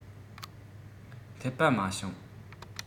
འཐད པ མ བྱུང